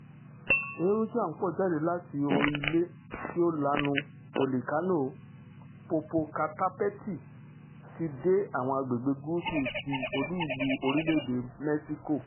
Eérú tí a ńpọ̀ jáde láti orí-ilẹ́ tí ó lanu Fòlìkánò Popocatepetl ti dé àwọn agbègbè̀ gúúsù ti olú-ìlú orílẹ̀-èdè Mẹ́ṣíkò.